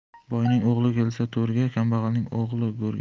boyning o'g'li kelsa to'rga kambag'alning o'g'li go'rga